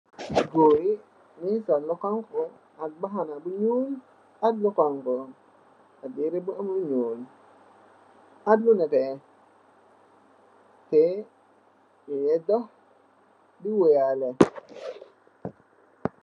Goor mogi sol lu xonxu ak mbahana bu nuul ak lu xonxu ak berem bu am lu nuul ak lu neteh teh mogi teh doh di woyaleh.